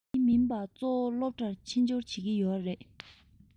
དེ མིན པ གཙོ བོ སློབ གྲྭར ཕྱི འབྱོར བྱེད ཀྱི ཡོད རེད